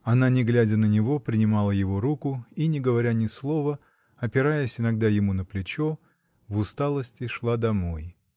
Она, не глядя на него, принимала его руку и, не говоря ни слова, опираясь иногда ему на плечо, в усталости шла домой.